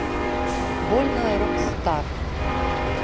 больно рокстар